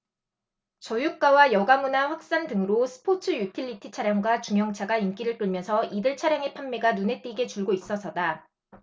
저유가와 여가문화 확산 등으로 스포츠유틸리티차량과 중형차가 인기를 끌면서 이들 차량의 판매가 눈에 띄게 줄고 있어서다